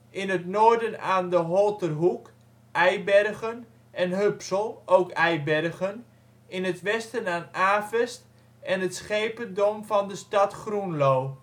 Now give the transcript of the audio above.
in het noorden aan de Holterhoek (Eibergen) en Hupsel (idem), in het westen aan Avest en het schependom van de stad Groenlo